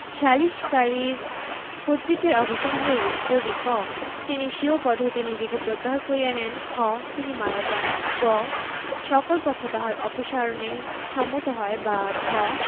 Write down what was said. সালিসকারীর কর্তৃত্বের অবসান হইবে যদি ক তিনি স্বীয় পদ হইতে নিজেকে প্রত্যাহার করিয়া নেন খ তিনি মারা যান গ সকল পক্ষ তাহার অপসারণে সম্মত হয় বা ঘ